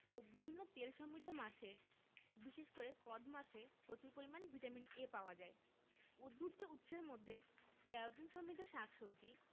ও বিভিন্ন তেলসমৃদ্ধ মাছে বিশেষ করে কড মাছে প্রচুর পরিমান ভিটামিন A পাওয়া যায় উদ্ভিজ্জ উৎসের মধ্যে ক্যারোটিন সমৃদ্ধ শাক সবজি